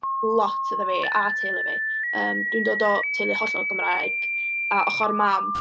Lot iddo fi a teulu fi. Yym ,dwi'n dod o teulu hollol Gymraeg a ochr mam.